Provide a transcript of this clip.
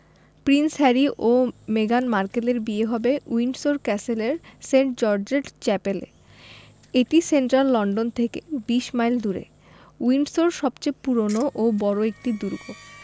Prince Harry ও মেগান মার্কেলের বিয়ে হবে উইন্ডসর ক্যাসেলের সেন্ট জর্জেস চ্যাপেলে এটি সেন্ট্রাল লন্ডন থেকে ২০ মাইল দূরে উইন্ডসর সবচেয়ে পুরোনো ও বড় একটি দুর্গ